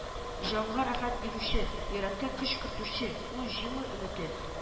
Җанга рәхәт бирүче, йөрәккә көч кертүче ул җиңү өмете